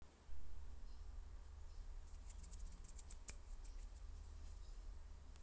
боже мой